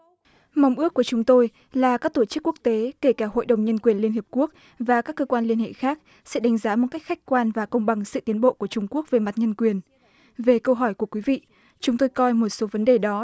mong ước của chúng tôi là các tổ chức quốc tế kể cả hội đồng nhân quyền liên hiệp quốc và các cơ quan liên hệ khác sẽ đánh giá một cách khách quan và công bằng sự tiến bộ của trung quốc về mặt nhân quyền về câu hỏi của quý vị chúng tôi coi một số vấn đề đó